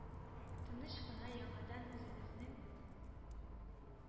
Тыныч кына яңадан үзебезнең